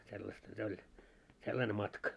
sellaista se oli sellainen matka